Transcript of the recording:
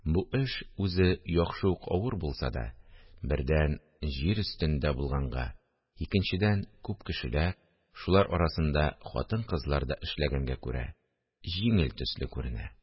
Бу эш, үзе яхшы ук авыр булса да, бердән, җир өстендә булганга, икенчедән, күп кешеләр, шулар арасында хатын-кызлар да эшләгәнгә күрә, җиңел төсле күренә